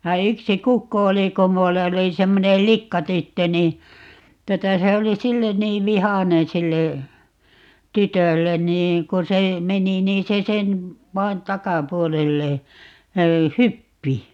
ja yksi kukko oli kun minulla oli semmoinen likkatyttö niin tuota se oli sille niin vihainen sille tytölle niin kun se meni niin se sen vain takapuolelle hyppi